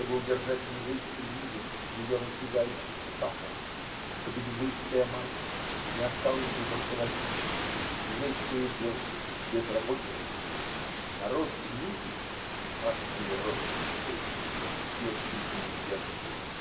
чтобы удержать на еврейской ниве ее разбегающихся пахарей, чтобы еврейская масса не осталась без руководителей, еврейское дело без работников, народ Книги – страшная ирония судьбы – без интеллигенции!